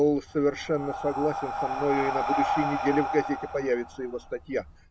Л. совершенно согласен со мною, и на будущей неделе в газете появится его статья.